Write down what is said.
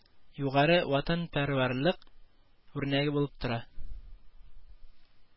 Югары ватанпәрвәрлек үрнәге булып тора